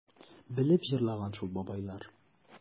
Белеп җырлаган шул бабайлар...